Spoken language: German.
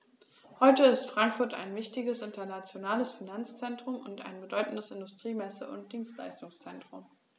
Heute ist Frankfurt ein wichtiges, internationales Finanzzentrum und ein bedeutendes Industrie-, Messe- und Dienstleistungszentrum.